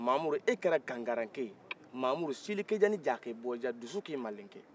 mamudu e kɛra gangarake ye mamudu selekejan nin jakebɔ jaa dusuke malenke